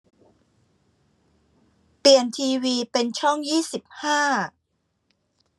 เปลี่ยนทีวีเป็นช่องยี่สิบห้า